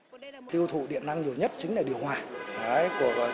tiêu thụ điện năng nhiều nhất chính là điều hòa ấy của